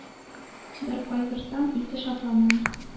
Бер кайгырсам, ике шатланам.